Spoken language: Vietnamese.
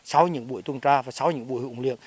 sau những buổi tuần tra và sau những buổi huấn luyện